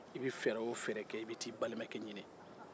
i bɛ fɛɛrɛ o fɛɛrɛ kɛ i be t'aa i balimakɛ ɲini